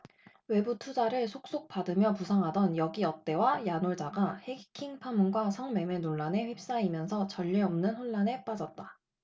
외부투자를 속속 받으며 부상하던 여기어때와 야놀자가 해킹 파문과 성매매 논란에 휩싸이면서 전례 없는 혼란에 빠졌다